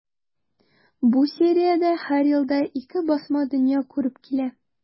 Бу сериядә һәр елда ике басма дөнья күреп килә.